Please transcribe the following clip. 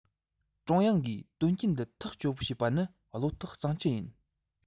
ཀྲུང དབྱང གིས དོན རྐྱེན འདི ཐག གཅོད བྱེད པ ནི བློ ཐག གཙང བཅད ཡིན